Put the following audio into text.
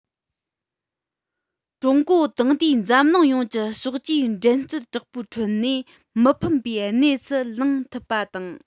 ཀྲུང གོ དེང དུས འཛམ གླིང ཡོངས ཀྱི ཕྱོགས བཅུའི འགྲན རྩོད དྲག པོའི ཁྲོད ནས མི ཕམ པའི གནས སུ ལངས ཐུབ པ དང